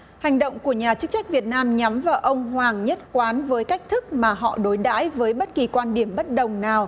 hành động của nhà chức trách việt nam nhắm vào ông hoàng nhất quán với cách thức mà họ đối đãi với bất kỳ quan điểm bất đồng nào